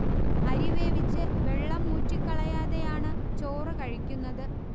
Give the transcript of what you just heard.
അരി വേവിച്ച് വെള്ളം ഊറ്റിക്കളയാതെയാണ് ചോറ് കഴിക്കുന്നത്